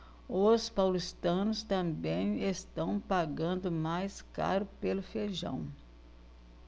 os paulistanos também estão pagando mais caro pelo feijão